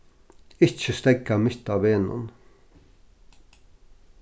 ikki steðga mitt á vegnum